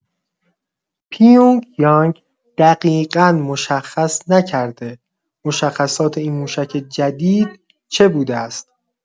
پیونگ‌یانگ دقیقا مشخص نکرده مشخصات این موشک جدید چه بوده است.